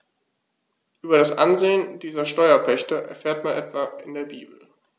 Über das Ansehen dieser Steuerpächter erfährt man etwa in der Bibel.